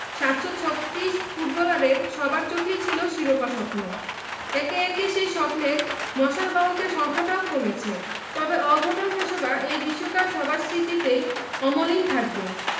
৭৩৬ ফুটবলারের সবার চোখেই ছিল শিরোপা স্বপ্ন একে একে সেই স্বপ্নের মশালবাহকের সংখ্যাটা কমেছে তবে অঘটনপ্রসবা এই বিশ্বকাপ সবার স্মৃতিতেই অমলিন থাকবে